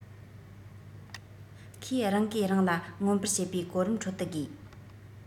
ཁོས རང གིས རང ལ མངོན པར བྱེད པའི གོ རིམ ཁྲོད དུ དགོས